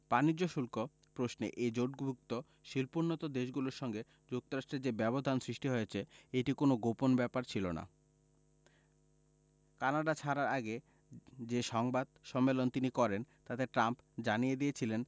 বাণিজ্য শুল্ক প্রশ্নে এই জোটভুক্ত শিল্পোন্নত দেশগুলোর সঙ্গে যুক্তরাষ্ট্রের যে ব্যবধান সৃষ্টি হয়েছে এটি কোনো গোপন ব্যাপার ছিল না কানাডা ছাড়ার আগে যে সংবাদ সম্মেলন তিনি করেন তাতে ট্রাম্প জানিয়ে দিয়েছিলেন